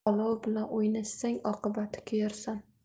olov bilan o'ynashsang oqibati kuyarsan